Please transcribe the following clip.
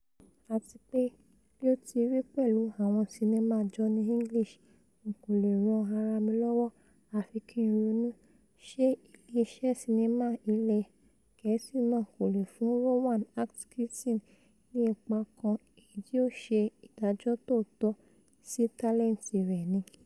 ̀Àtipé bí ó ti rí pẹ̀lú àwọn sinnimá Johnny English N kò leè ran ara mi lọ́wó àfi kí ńronú: ṣe ilé iṣẹ́ sinnimá ilẹ́ Gẹ̀ẹ́sì náà kò leè fún Rowan Atkinson ni ipa kan èyití yóò ṣe ìdájọ́ tòótọ́ sí tálẹ́ǹtì rẹ̀ ni?